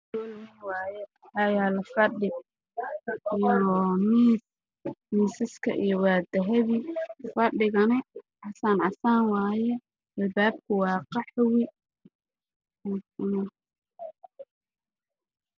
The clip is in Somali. Qol hool ah waayo misas baa yaalo misaska waa dahabi